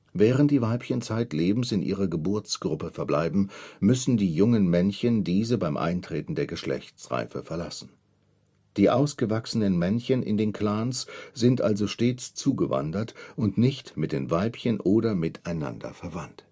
Während die Weibchen zeitlebens in ihrer Geburtsgruppe verbleiben, müssen die jungen Männchen diese beim Eintreten der Geschlechtsreife verlassen. Die ausgewachsenen Männchen in den Clans sind also stets zugewandert und nicht mit den Weibchen oder miteinander verwandt